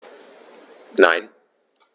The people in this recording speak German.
Nein.